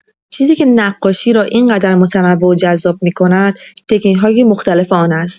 چیزی که نقاشی را این‌قدر متنوع و جذاب می‌کند، تکنیک‌های مختلف آن است؛